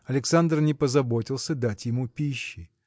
Александр не позаботился дать ему пищи.